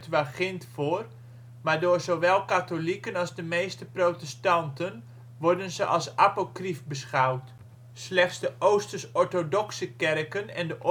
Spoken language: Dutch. voor, maar door zowel katholieken als de meeste protestanten worden ze als apocrief beschouwd. Slechts de Oosters-orthodoxe Kerken en